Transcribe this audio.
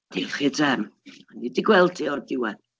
Diolch i'r drefn, o'n i 'di gweld hi o'r diwedd.